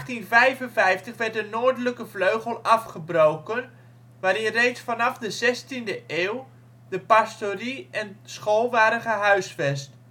1855 werd de noordelijke vleugel afgebroken, waarin reeds vanaf de 16e eeuw de pastorie en school waren gehuisvest